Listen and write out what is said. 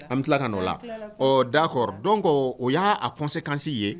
An bɛ tila ka nɔ la ɔ d'accord, donc o y'a a conséquence ye